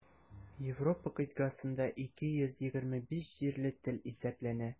Европа кыйтгасында 225 җирле тел исәпләнә.